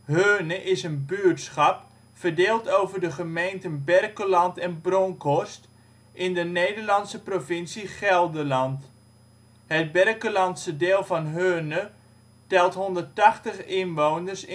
Heurne is een buurtschap, verdeeld over de gemeenten Berkelland en Bronckhorst, in de Nederlandse provincie Gelderland. Het Berkellandse deel van Heurne telt 180 inwoners